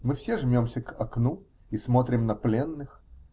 Мы все жмемся к окну и смотрим на пленных.